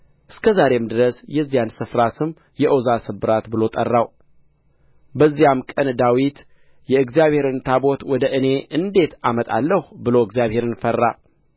እስከ ዛሬም ድረስ የዚያን ስፍራ ስም የዖዛ ስብራት ብሎ ጠራው በዚያም ቀን ዳዊት የእግዚአብሔርን ታቦት ወደ እኔ እንዴት አመጣለሁ ብሎ እግዚአብሔርን ፈራ